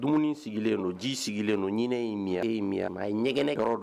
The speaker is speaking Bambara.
Dumuni sigilen don ji sigilen don ɲinɛ ye mi mi a ye ɲɛgɛn kɔrɔ